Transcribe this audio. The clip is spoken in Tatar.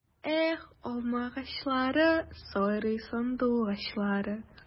Эх, алмагачлары, сайрый сандугачлары!